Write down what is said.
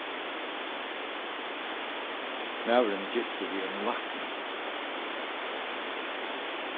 maðurin er giftur við einum lækna